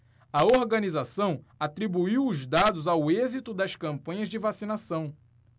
a organização atribuiu os dados ao êxito das campanhas de vacinação